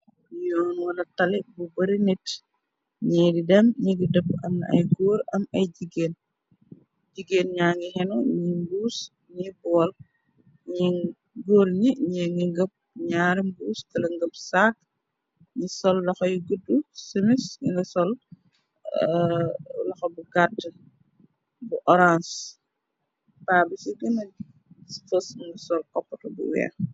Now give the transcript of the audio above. Yoon wala tali bu bari nit, ñi di dem ñi gi dëpp amna ay góur am ay jigéen. Jigéen ña ngi xenu ñi mbuus ni pool ñi góur ni ñi ngi ngëpp ñaari mbuus tela ngëm saak ñi sol laxoy gudd semis nga sol laxo bu gàtt bu orance, paa bi ci gëna fës nga sol koppata bu weex.